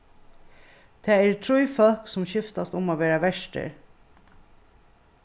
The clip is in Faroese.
tað eru trý fólk sum skiftast um at vera vertir